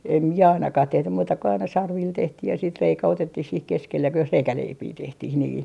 en minä ainakaan tehty muuta kuin aina sarvilla tehtiin ja sitten reikä otettiin siihen keskelle jos reikäleipää tehtiin niin